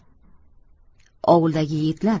ovuldagi yigitlar